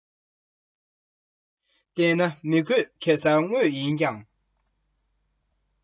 འདན ན མི དགོས གེ སར དངོས ཡིན ཀྱང